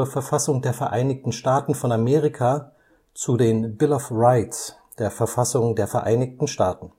Verfassung der Vereinigten Staaten von Amerika zu den Bill of Rights der Verfassung der Vereinigten Staaten